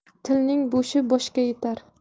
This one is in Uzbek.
tilning bo'shi boshga yetar